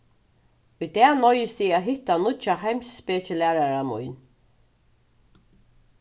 í dag noyðist eg at hitta nýggja heimspekilærara mín